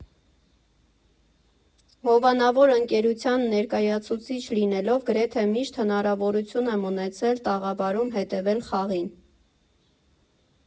Հովանավոր ընկերության ներկայացուցիչ լինելով, գրեթե միշտ հնարավորություն եմ ունեցել տաղավարում հետևել խաղին։